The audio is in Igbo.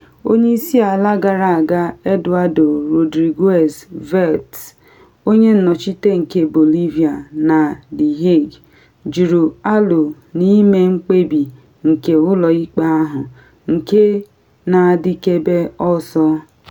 Onye isi ala gara aga Eduardo Rodríguez Veltzé, onye nnọchite nke Bolivia na The Hague, jụrụ alo na ịme mkpebi nke ụlọ ikpe ahụ na adịkebe ọsọ.